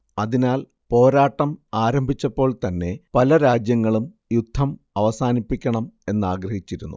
അതിനാൽ പോരാട്ടം ആരംഭിച്ചപ്പോൾ തന്നെ പല രാജ്യങ്ങളും യുദ്ധം അവസാനിപ്പിക്കണം എന്നാഗ്രഹിച്ചിരുന്നു